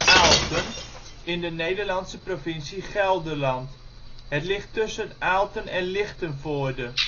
Aalten in de Nederlandse provincie Gelderland. Het ligt tussen Aalten en Lichtenvoorde